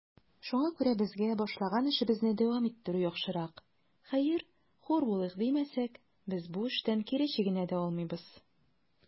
Шуңа күрә безгә башлаган эшебезне дәвам иттерү яхшырак; хәер, хур булыйк димәсәк, без бу эштән кире чигенә дә алмыйбыз.